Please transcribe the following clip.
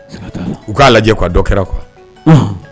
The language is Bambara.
U k'a lajɛ quoi dɔ kɛra quoi, bon